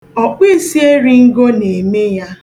ọ̀kpụīsieringo na-eme ya.